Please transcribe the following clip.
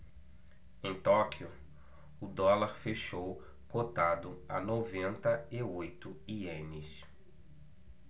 em tóquio o dólar fechou cotado a noventa e oito ienes